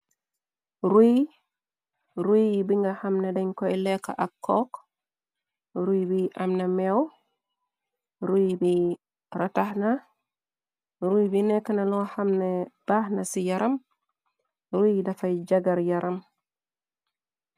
Ruy yi bi nga xamna dañ koy lekk ak cook ruy bi amna mew ruy bi rataxna ruy bi nekk na loo xamne baaxna ci yaram ru dafay jagar yaram.